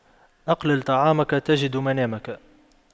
أقلل طعامك تجد منامك